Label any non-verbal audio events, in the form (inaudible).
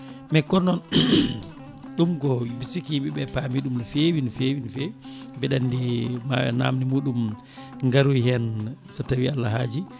mais kono noon (clears throat) ɗum ko mbiɗi sikki yimɓeɓe paami ɗum no fewi no fewi no fewi mbeɗa andi ma namde muɗum garoy hen so tawi Allah haaji